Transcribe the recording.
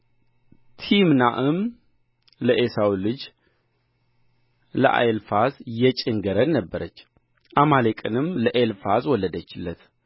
ቲምናዕም ለዔሳው ልጅ ለኤልፋዝ የጭን ገረድ ነበረች አማሌቅንም ለኤልፋዝ ወለደችለት